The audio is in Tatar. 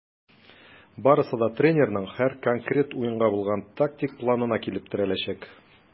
Барысы да тренерның һәр конкрет уенга булган тактик планына килеп терәләчәк.